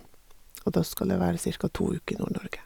Og da skal jeg være cirka to uker i Nord-Norge.